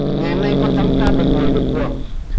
ngày hôm nay con cháu chúng ta được ngồi được hưởng